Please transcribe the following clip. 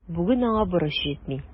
Бүген аңа борыч җитми.